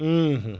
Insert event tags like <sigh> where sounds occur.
<hesitation> <hesitation>